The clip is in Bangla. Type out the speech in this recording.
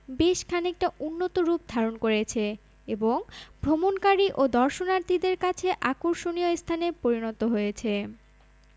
বেশ খানিকটা উন্নত রূপ ধারণ করেছে এবং ভ্রমণকারী ও দর্শনার্থীদের কাছে আকর্ষণীয় স্থানে পরিণত হয়েছে